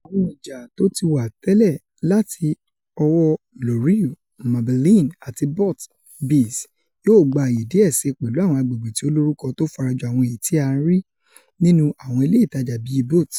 Àwọn ọjà tótiwà tẹ́lẹ̀ láti ọwọ́ L'Oreal, Maybelline àti Burt's Bees yóò gba àayè díẹ̀ síi pẹ̀lú àwọn agbègbè̀ tí o lórúkọ tó farajọ àwọn èyití a ń rí nínú àwọn ilé ìtajà bíi Boots.